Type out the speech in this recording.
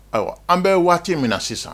Ayiwa an bɛ waati min na sisan